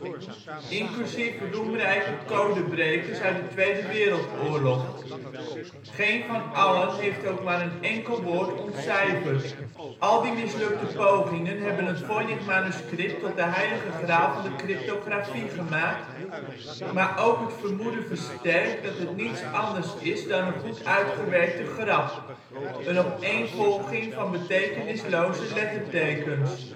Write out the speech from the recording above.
inclusief roemrijke codebrekers uit de Tweede Wereldoorlog. Geen van allen heeft ook maar een enkel woord ontcijferd. Al die mislukte pogingen hebben het Voynichmanuscript tot de Heilige Graal van de cryptografie gemaakt, maar ook het vermoeden versterkt dat het niets anders is dan een goed uitgewerkte grap: een opeenvolging van betekenisloze lettertekens